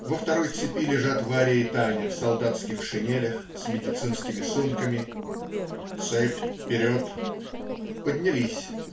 Во второй цепи лежат Варя и Таня в солдатских шинелях, с медицинскими сумками. "Цепь вперед!" Поднялись.